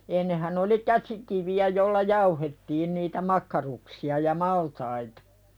ennenhän oli käsikiviä jolla jauhettiin niitä makkaruksia ja maltaita